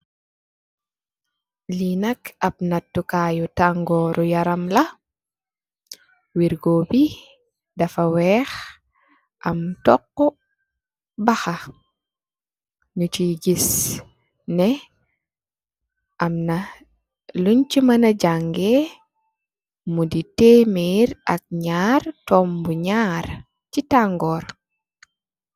Li nak ap natukayu tangóru yaram la, wirgo bi dafa wèèx am tooxu baxa ñu ci gis neh am na liñ ci mana jangèè mudi tèèmèr ak ñaar tumbu ñaar ci tangór.